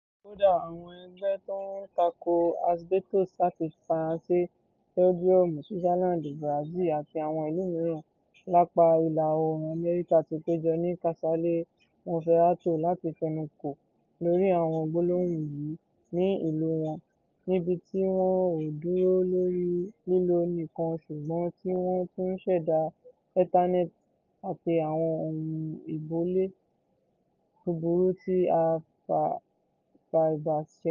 Kódà, àwọn ẹgbẹ́ tó ń takò asbestos láti France, Belgium, Switzerland, Brazil àti àwọn ìlú míràn lápa Ìlà-Oòrùn Amẹ́ríkà ti péjọ ní Casale Monferrato láti fẹnukò lórí àwọn gbólóhùn yìí ní ìlú wọn, níbi tí wọ́n ò dúró lórí lílo nìkan ṣùgbọ́n tí wọ́n tún ń ṣẹ̀da Eternit àti àwọn ohun ìbolé búburú tí a fi fáíbà ṣe.